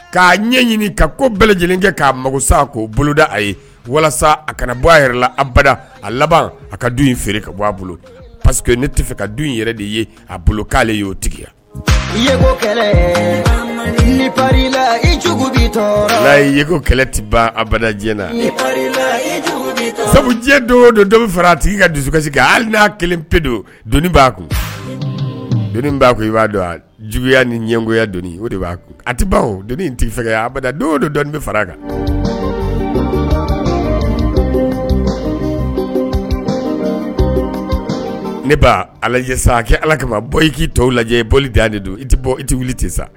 K'a ɲɛ ɲini ka ko bɛɛ lajɛlen kɛ k'a mago sa a k'o boloda a ye walasa a kana bɔ a yɛrɛla abada a laban a ka du in feere ka bɔ a bolo paseke nefe ka du in yɛrɛ de ye a bolo k'ale y'o tigiko tɛ a na sabu do don dɔ fara a tigi ka dusuka kan hali n'a kelen pe don baa kun ba i b'a dɔn a juguya ni ɲɛgoya o de b'a kun a tɛ tigi fɛ o don dɔn bɛ fara a kan ne b' sa kɛ ala kama bɔ i k'i tɔw lajɛ i bolili dan de don i tɛ bɔ i tɛ wuli tɛ sa